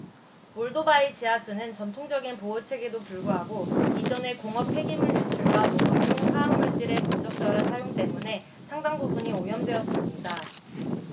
몰도바의 지하수는 전통적인 보호책에도 불구하고 이전의 공업 폐기물 유출과 농업용 화학 물질의 부적절한 사용 때문에 상당 부분이 오염되었습니다